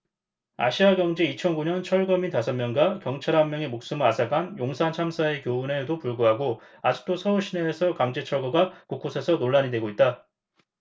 아시아경제 이천 구 년 철거민 다섯 명과 경찰 한 명의 목숨을 앗아간 용산참사의 교훈에도 불구하고 아직도 서울 시내에서 강제철거가 곳곳에서 논란이 되고 있다